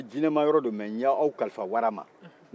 ko jinɛman yɔrɔ don mɛ y'aw kalifa wara ma